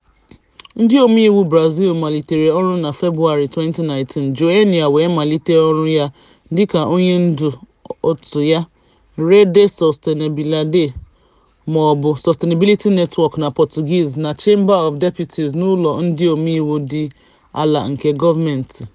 Ndị omeiwu Brazil malitere ọrụ na Febụwarị 2019, Joênia wee malite ọrụ ya dịka onye ndu òtù ya, Rede Sustentabilidade (mọọbụ Sustainability Network na Portuguese),na Chamber of Deputies, n'ụlọ ndị omeiwu dị ala nke gọọmentị.